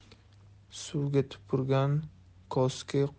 suvga tupurgan koski